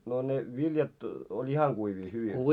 no ne viljat oli ihan kuivia hyvin